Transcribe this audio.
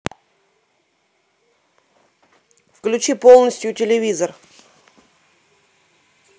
выключи полностью телевизор